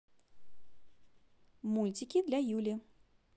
мультики для юли